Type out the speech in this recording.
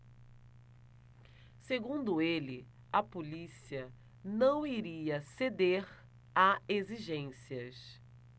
segundo ele a polícia não iria ceder a exigências